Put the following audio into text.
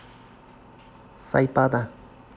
с айпада